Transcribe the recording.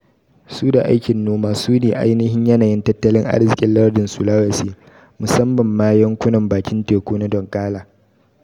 su da aikin noma sune ainihin yanayin tattalin arzikin lardin Sulawesi, musamman ma yankunan bakin teku na Donggala.